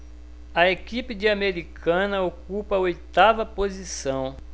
a equipe de americana ocupa a oitava posição